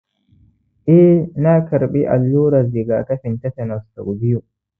eh na karɓi allurar rigakafin tetanus sau biyu